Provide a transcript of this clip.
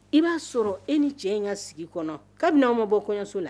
I b'a sɔrɔ e ni cɛ in ka sigi kɔnɔ kabini di awaw ma bɔ kɔɲɔso la